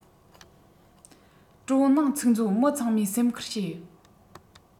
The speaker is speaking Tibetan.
སྤྲོ སྣང ཚིག མཛོད མི ཚང མས སེམས ཁུར བྱེད